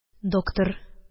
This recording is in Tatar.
Доктор